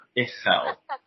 uchel.